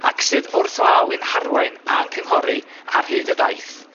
...ac sydd wrthlaw in harwain a'n cynghori ar hyd y daeth.